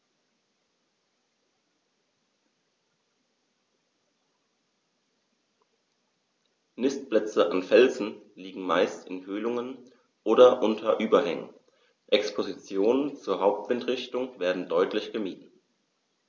Nistplätze an Felsen liegen meist in Höhlungen oder unter Überhängen, Expositionen zur Hauptwindrichtung werden deutlich gemieden.